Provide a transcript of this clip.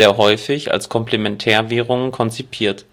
häufig als Komplementärwährung konzipiert